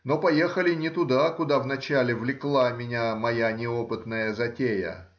но поехали не туда, куда вначале влекла меня моя неопытная затея.